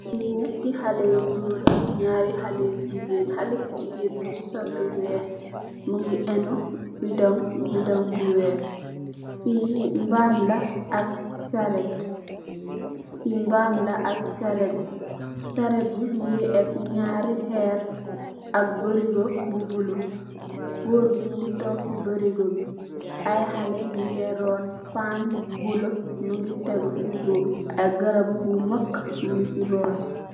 Lee nyeete haleh yu goor ak nyari haleh yu jeegain, haleh bu jeegain bi mugi sol lu weex, mugi enno bedung bu weex, lee mbaam la ak sarret, sarret be mugi emb nyari harr ak berego bu bulo, goor bi mugi togke se berego bi, aye haleh nyu gi rott, pan bu bulo mugi tegu se suff ak garab bu mak mug si borram.